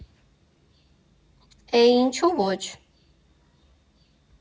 Է՜, ինչու՞ ոչ։